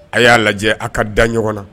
A y'a lajɛ a ka da ɲɔgɔn na